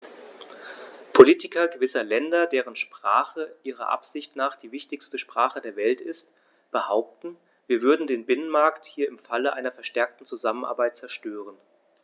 Politiker gewisser Länder, deren Sprache ihrer Ansicht nach die wichtigste Sprache der Welt ist, behaupten, wir würden den Binnenmarkt hier im Falle einer verstärkten Zusammenarbeit zerstören.